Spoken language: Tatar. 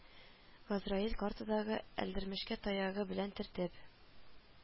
Газраил картадагы Әлдермешкә таягы белән төртеп